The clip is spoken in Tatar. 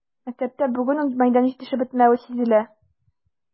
Мәктәптә бүген үк мәйдан җитешеп бетмәве сизелә.